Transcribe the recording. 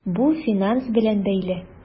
Бу финанс белән бәйле.